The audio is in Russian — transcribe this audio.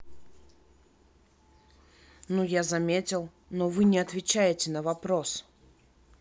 ну я заметил но вы не отвечаете на вопрос